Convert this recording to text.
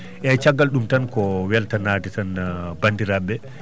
eyyi caggal ɗum tan ko weltanade tan bandiraɓe